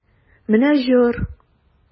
Менә җор!